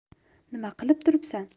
nima qilib turibsan